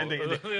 Yndi yndi.